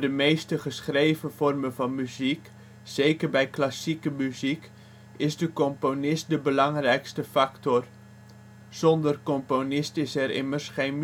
meeste geschreven vormen van muziek (zeker bij klassieke muziek) is de componist de belangrijkste factor, tenslotte: zonder componist geen